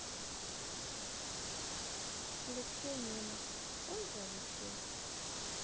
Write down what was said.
алексей немов он же алексей